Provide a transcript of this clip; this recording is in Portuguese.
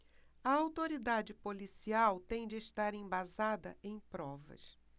a autoridade policial tem de estar embasada em provas